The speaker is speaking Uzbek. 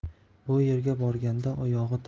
bu yerga borganda